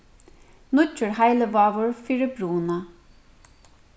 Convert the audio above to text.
nýggjur heilivágur fyri bruna